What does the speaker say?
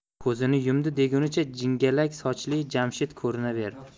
ko'zini yumdi degunicha jingalak sochli jamshid ko'rinaverardi